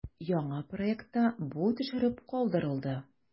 Яңа проектта бу төшереп калдырылды.